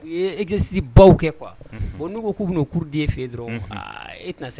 U ye e tɛsi baw kɛ kuwa bon n'u ko k'u bɛ kuruden ye fe dɔrɔn e tɛna segin